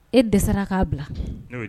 E dɛsɛsara k'a bila